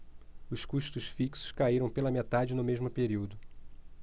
os custos fixos caíram pela metade no mesmo período